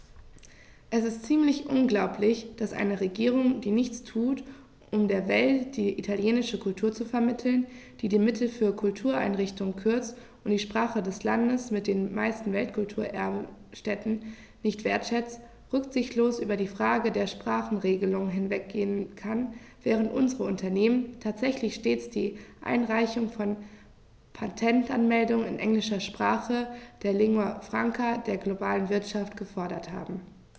Es ist ziemlich unglaublich, dass eine Regierung, die nichts tut, um der Welt die italienische Kultur zu vermitteln, die die Mittel für Kultureinrichtungen kürzt und die Sprache des Landes mit den meisten Weltkulturerbe-Stätten nicht wertschätzt, rücksichtslos über die Frage der Sprachenregelung hinweggehen kann, während unsere Unternehmen tatsächlich stets die Einreichung von Patentanmeldungen in englischer Sprache, der Lingua Franca der globalen Wirtschaft, gefordert haben.